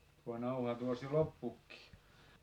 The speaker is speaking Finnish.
tuo nauha tuossa jo loppuukin